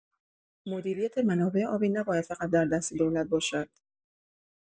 مدیریت منابع آبی نباید فقط در دست دولت باشد.